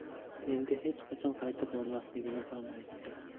endi hech qachon qaytib bormasligini ham aytdi